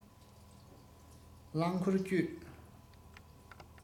རླང འཁོར བསྐྱོད